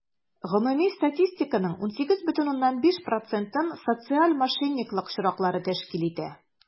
Гомуми статистиканың 18,5 процентын социаль мошенниклык очраклары тәшкил итә.